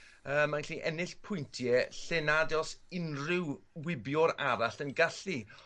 y mae gallu ennill pwyntie lle nad o's unrhyw wibiwr arall yn gallu